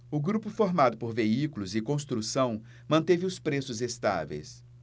o grupo formado por veículos e construção manteve os preços estáveis